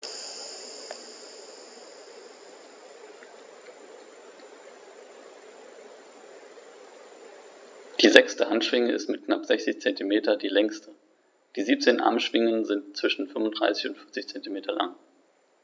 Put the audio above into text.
Die sechste Handschwinge ist mit knapp 60 cm die längste. Die 17 Armschwingen sind zwischen 35 und 40 cm lang.